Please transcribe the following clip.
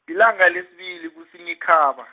lilanga lesibili kuSinyikhaba.